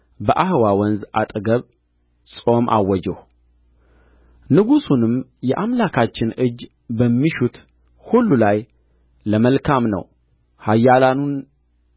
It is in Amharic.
በአኅዋ ወንዝ አጠገብ ጾም አወጅሁ ንጉሡንም የአምላካችን እጅ በሚሹት ሁሉ ላይ ለመልካም ነው